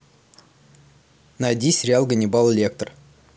найди сериал ганнибал лектор